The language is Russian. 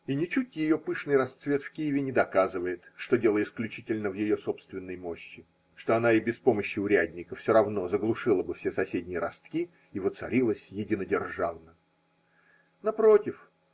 И ничуть ее пышный расцвет в Киеве не доказывает, что дело исключительно в ее собственной мощи, что она и без помощи урядника все равно заглушила бы все соседние ростки и воцарилась единодержавно. Напротив.